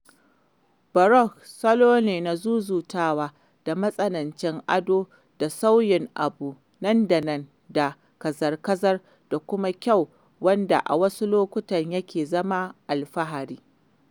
Baroque salo ne na zuzutawa da matsanancin ado da sauyin abu nan da nan da kazarkazar da kuma kyau wanda a wasu lokutan yake zama alfahari.